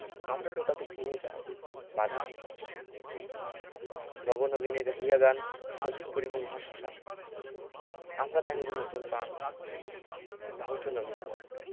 আমরা টুটাব তিমির রাত বাধার বিন্ধ্যাচল নব নবীনের গাহিয়া গান সজীব করিব মহাশ্মশান আমরা দানিব নতুন পাণ বাহুতে নবীন বল